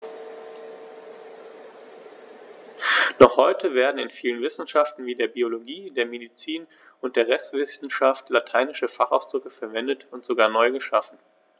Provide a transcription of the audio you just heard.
Noch heute werden in vielen Wissenschaften wie der Biologie, der Medizin und der Rechtswissenschaft lateinische Fachausdrücke verwendet und sogar neu geschaffen.